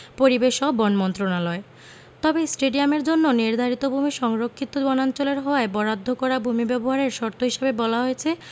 পরিবেশ ও বন মন্ত্রণালয় তবে স্টেডিয়ামের জন্য নির্ধারিত ভূমি সংরক্ষিত বনাঞ্চলের হওয়ায় বরাদ্দ করা ভূমি ব্যবহারের শর্ত হিসেবে বলা হয়েছে